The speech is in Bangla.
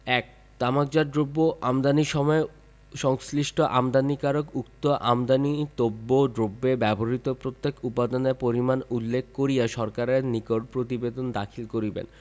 ১ তামাকজাত দ্রব্য আমদানির সময় সংশ্লিষ্ট আমদানিকারক উক্ত আমদানিতব্য দ্রব্যে ব্যবহৃত প্রত্যেক উপাদানের পরিমাণ উল্লেখ করিয়া সরকারের নিকট প্রতিবেদন দাখিল করিবেন